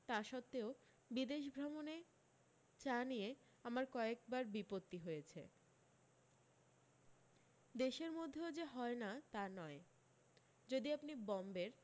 তা স্বত্ত্বেও বিদেশভ্রমণে চা নিয়ে আমার কয়েকবার বিপত্তি হয়েছে দেশের মধ্যেও যে হয় না তা নয় যদি আপনি বম্বের